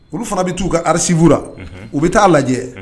Olu fana bɛ t'u ka ararisiurula u bɛ taa lajɛ